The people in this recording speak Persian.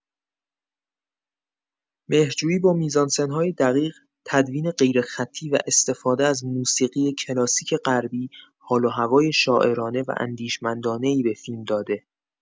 مهرجویی با میزانسن‌های دقیق، تدوین غیرخطی و استفاده از موسیقی کلاسیک غربی، حال‌وهوای شاعرانه و اندیشمندانه‌ای به فیلم داده.